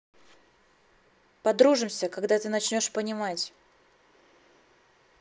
подружимся когда ты начнешь понимать